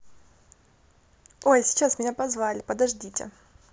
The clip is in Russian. ой сейчас меня позвали подождите